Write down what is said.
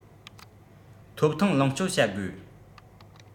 ཐོབ ཐང ལོངས སྤྱོད བྱ དགོས